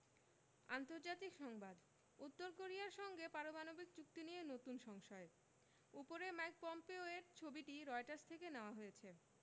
আন্তর্জাতিক সংবাদ উত্তর কোরিয়ার সঙ্গে পারমাণবিক চুক্তি নিয়ে নতুন সংশয় উপরের মাইক পম্পেও এর ছবিটি রয়টার্স থেকে নেয়া হয়েছে